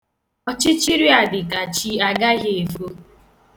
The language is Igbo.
Ọchịchịrị a dịka chi agaghị efo.